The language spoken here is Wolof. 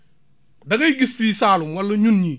da ngay gis fii Saloum wala ñun ñii